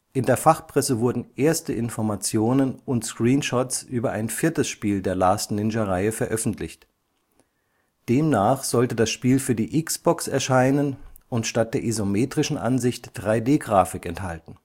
In der Fachpresse wurden erste Informationen und Screenshots über ein viertes Spiel der Last-Ninja-Reihe veröffentlicht. Demnach sollte das Spiel für die Xbox erscheinen und statt der isometrischen Ansicht 3D-Grafik enthalten